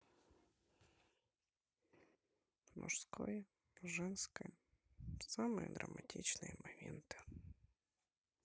мужское женское самые драматичные моменты